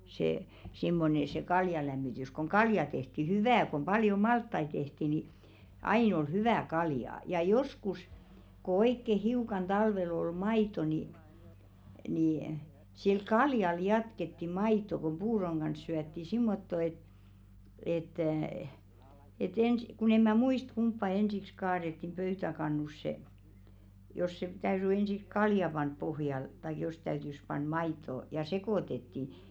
se semmoinen se kaljalämmitys kun kaljaa tehtiin hyvää kun paljon maltaita tehtiin niin aina oli hyvää kaljaa ja joskus kun oikein hiukan talvella oli maitoa niin niin sillä kaljalla jatkettiin maitoa kun puuron kanssa syötiin semmottoon että että että ensin kun en minä muista kumpaa ensiksi kaadettiin pöytäkannussa jos se täytyi ensiksi kaljaa panna pohjalle tai jos täytyi panna maitoa ja sekoitettiin